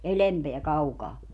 edempää kaukaa